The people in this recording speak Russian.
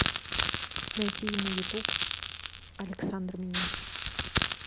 найди на ютуб александр минин